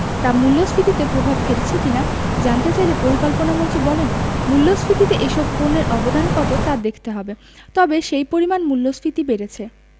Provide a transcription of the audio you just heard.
তা মূল্যস্ফীতিতে প্রভাব ফেলছে কি না জানতে চাইলে পরিকল্পনামন্ত্রী বলেন মূল্যস্ফীতিতে এসব পণ্যের অবদান কত তা দেখতে হবে তবে সেই পরিমাণ মূল্যস্ফীতি বেড়েছে